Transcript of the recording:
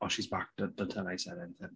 Oh she's back d- don't tell her I said anything.